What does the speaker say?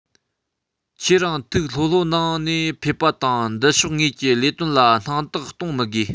ཁྱེད རང ཐུགས ལྷོད ལྷོད གནང ནས ཕེབས དང འདི ཕྱོགས ངོས ཀྱི ལས དོན ལ སྣང དག གཏོང མི དགོས